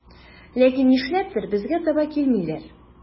Ләкин нишләптер безгә таба килмиләр.